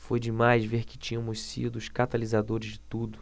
foi demais ver que tínhamos sido os catalisadores de tudo